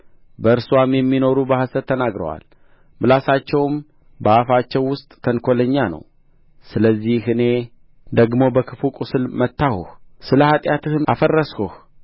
በእርስዋም የሚኖሩ በሐሰት ተናግረዋል ምላሳቸውም በአፋቸው ውስጥ ተንኰለኛ ነው ስለዚህ እኔ ደግሞ በክፉ ቍስል መታሁህ ስለ ኃጢአትህም አፈርስሁህ